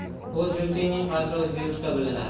o'z yurtingning qadri o'zga yurtda bilinar